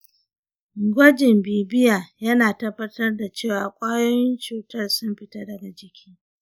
gwajin bibiya yana tabbatar da cewa ƙwayoyin cutar sun fita daga jiki.